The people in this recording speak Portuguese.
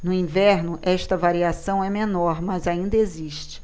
no inverno esta variação é menor mas ainda existe